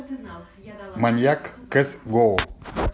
маньяк кэс гоу